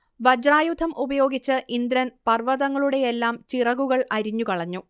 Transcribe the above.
വജ്രായുധം ഉപയോഗിച്ച് ഇന്ദ്രൻ പർവ്വതങ്ങളുടെയെല്ലാം ചിറകുകൾ അരിഞ്ഞുകളഞ്ഞു